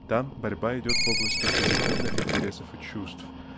там борьба идет в области позитивных интересов и чувств